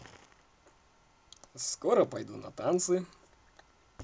я скоро пойду на танцы